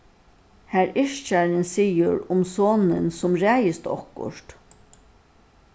har yrkjarin sigur um sonin sum ræðist okkurt